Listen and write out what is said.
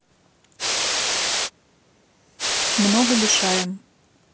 много лишаем